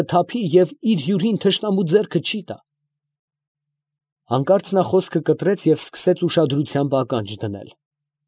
Կթափի և իր հյուրին թշնամու ձեռքը չի տա։ Հանկարծ նա խոսքը կտրեց և սկսեց ուշադրությամբ ականջ դնել։ ֊